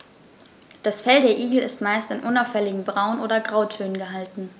Das Fell der Igel ist meist in unauffälligen Braun- oder Grautönen gehalten.